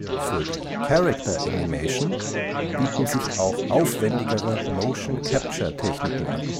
Für die Character Animation bieten sich auch aufwändigere Motion-Capture-Techniken an